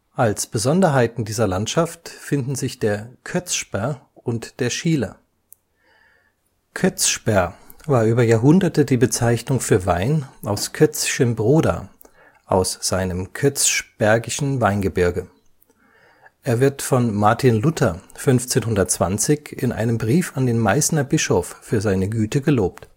Als Besonderheiten dieser Landschaft finden sich der Kötzschber und der Schieler. Kötzschber war über Jahrhunderte die Bezeichnung für Wein aus Kötzschenbroda, aus seinem Kötzschbergischen Weingebirge. Er wird von Martin Luther 1520 in einem Brief an den Meißner Bischof für seine Güte gelobt